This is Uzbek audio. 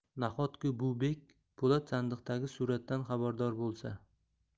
nahotki bu bek po'lat sandiqdagi suratdan xabardor bo'lsa